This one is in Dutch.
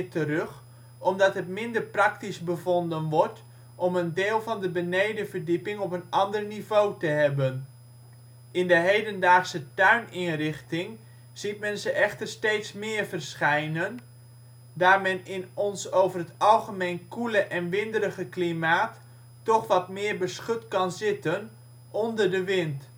terug, omdat het minder praktisch bevonden wordt om een deel van de benedenverdieping op een ander niveau te hebben. In de hedendaagse tuininrichting ziet men ze echter steeds meer verschijnen, daar men in ons over het algemeen koele en winderige klimaat toch wat meer beschut kan zitten (onder de wind